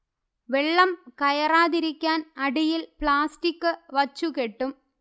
വെള്ളം കയറാതിരിക്കാൻ അടിയിൽ പ്ലാസ്റ്റിക് വച്ചുകെട്ടും